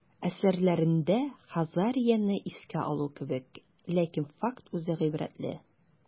Әсәрләрендә Хазарияне искә алу кебек, ләкин факт үзе гыйбрәтле.